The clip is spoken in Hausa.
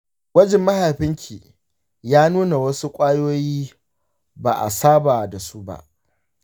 gwajin mahaifanki ya nuna wasu ƙwayoyi ba'a saba dasu ba.